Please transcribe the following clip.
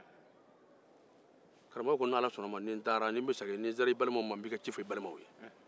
karamɔgɔkɛ ko ni ala sɔnn'a ma n b'i ka ci fɔ i balimaw ye ni n bɛ sgin